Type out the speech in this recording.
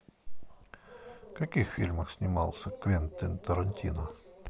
в каких фильмах снимался квентин тарантино